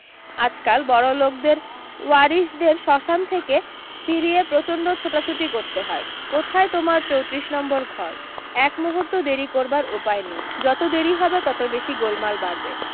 আজকাল বড়লোকদের ওয়ারিসদের শ্মশান থেকে ফিরেই প্রচণ্ড ছোটাছুটি করতে হয় কোথায় তোমার চোত্রিশ নম্বর ঘর এক মূহুর্ত দেরি করবার উপায় নেই যত দেরি হবে তত বেশী গোলমাল বাড়বে